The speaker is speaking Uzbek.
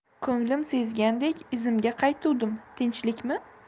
ko'nglim sezgandek izimga qaytuvdim tinchlikmi